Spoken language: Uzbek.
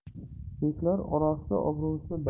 beklar orasida obro'si baland